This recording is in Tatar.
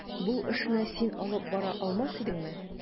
Бу эшне син алып бара алмас идеңме?